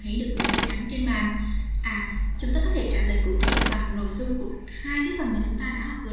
nhìn thấy mảnh giấy trắng trên bàn